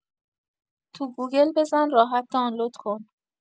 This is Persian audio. تو گوگل بزن راحت دانلود کن